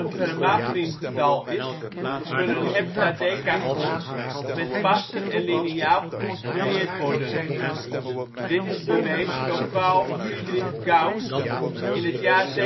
Fermat-priemgetal is, kunnen heptadecagons met passer en liniaal geconstrueerd worden. Dit is bewezen door Carl Friedrich Gauss in het jaar 1796